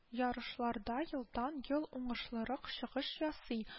Ярышларда елдан-ел уңышлырак чыгыш ясый: